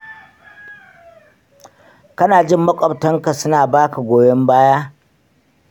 kana jin maƙwabtanka suna ba ka goyon baya?